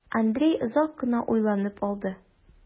Андрей озак кына уйланып алды.